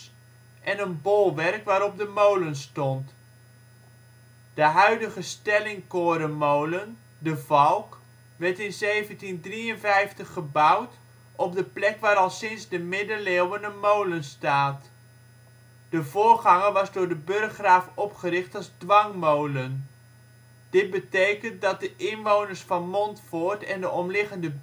en een bolwerk waarop de molen stond. De huidige stellingkorenmolen “De Valk” werd in 1753 gebouwd op de plek waar al sinds de middeleeuwen een molen staat. De voorganger was door de burggraaf opgericht als dwangmolen. Dit betekent dat de inwoners van Montfoort en de omliggende